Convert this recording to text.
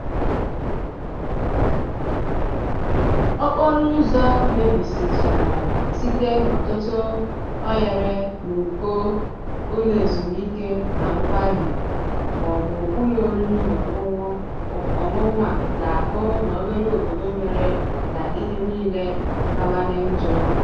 Okporoụzọ mebisichara site n'ọtụtụ oghere na ụkọ ụlọezumike na nkwari maọbụ ụlọ oriri na ọṅụṅụ a ga-ahụ n'obere obodo mere ka ihe niile kawanye njọ.